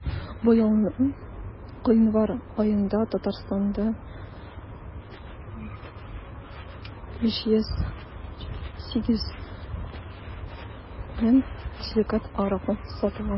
Быелның гыйнвар аенда Татарстанда 570 мең декалитр аракы сатылган.